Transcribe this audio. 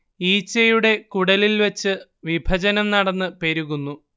ഈച്ചയുടെ കുടലിൽ വച്ച് വിഭജനം നടന്ന് പെരുകുന്നു